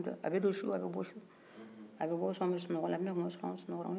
a bɛ bɔ o y'a sɔrɔ an be sunɔgɔ la a be na o y'a sɔrɔ an be sunɔgɔ la bɔn ne yɛrɛ ma mɔ n fa bolo